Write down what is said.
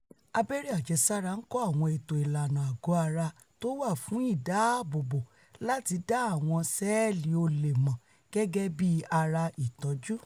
Abẹ́rẹ́ àjẹsára ńkọ́ àwọn ètò ìlànà àgọ́-ara tówà fún ìdáààbòbò láti dá àwọn ṣẹ̵́ẹ̀lì olè mọ̀ gẹ́gẹ́bí ara ìtọ̀jú